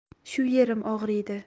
shu yerim og'riydi